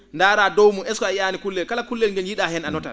ndaaraa dow mum est ce que a yiyaani kullel kala kullel ngel njii?aa heen a notat